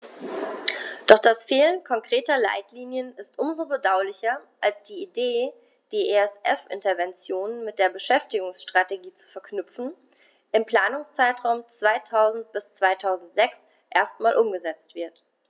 Doch das Fehlen konkreter Leitlinien ist um so bedauerlicher, als die Idee, die ESF-Interventionen mit der Beschäftigungsstrategie zu verknüpfen, im Planungszeitraum 2000-2006 erstmals umgesetzt wird.